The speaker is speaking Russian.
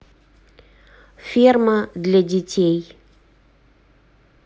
ферма для детей